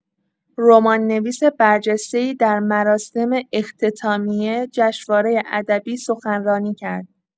رمان‌نویس برجسته‌ای در مراسم اختتامیه جشنواره ادبی سخنرانی کرد.